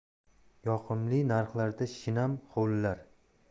yoqimli narxlarda shinam hovlilar